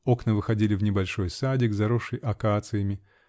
окна выходили в небольшой садик, заросший акациями.